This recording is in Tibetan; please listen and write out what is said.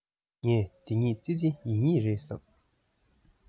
ངས དེ གཉིས ཙི ཙི ཡིན ངེས རེད བསམ